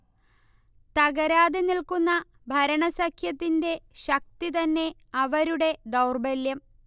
തകരാതെ നിൽക്കുന്ന ഭരണസഖ്യത്തിന്റെ ശക്തി തന്നെ അവരുടെ ദൗർബല്യം